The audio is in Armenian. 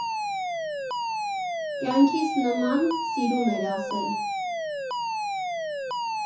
«կյանքիս նման»՝ սիրում էր ասել։